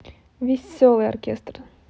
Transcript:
веселый оркестр